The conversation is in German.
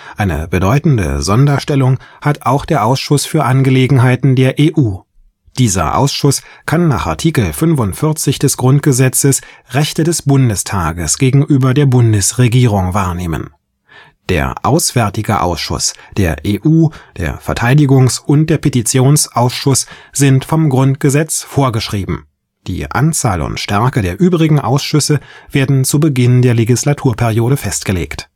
Eine bedeutende Sonderstellung hat auch der Ausschuss für Angelegenheiten der EU: Dieser Ausschuss kann nach Art. 45 GG Rechte des Bundestages gegenüber der Bundesregierung wahrnehmen. Der Auswärtige Ausschuss, der EU -, der Verteidigungs - und der Petitionsausschuss sind vom Grundgesetz vorgeschrieben. Die Anzahl und Stärke der übrigen Ausschüsse werden zu Beginn der Legislaturperiode festgelegt